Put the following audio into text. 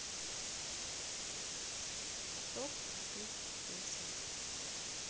топ крутых песен